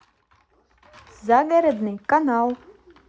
загородный канал